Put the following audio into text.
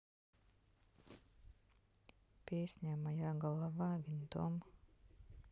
песня моя голова винтом